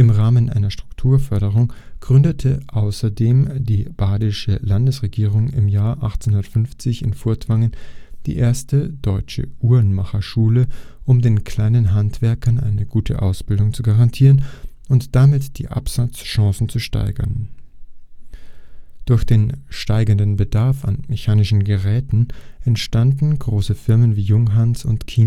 Rahmen einer Strukturförderung gründete außerdem die badische Landesregierung im Jahr 1850 in Furtwangen die erste deutsche Uhrmacherschule, um den kleinen Handwerkern eine gute Ausbildung zu garantieren und damit die Absatzchancen zu steigern. Durch den steigenden Bedarf an mechanischen Geräten entstanden große Firmen wie Junghans und